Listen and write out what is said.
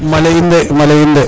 malee in de malee in